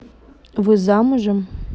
вы замужем